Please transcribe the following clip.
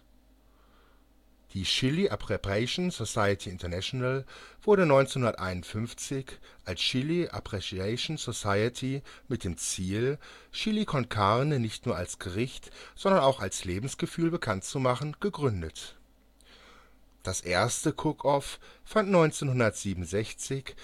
Die Chili Appreciation Society International wurde 1951 als Chili Appreciation Society mit dem Ziel, Chili con Carne nicht nur als Gericht, sondern auch als Lebensgefühl bekannt zu machen, gegründet. Das erste Cook Off fand 1967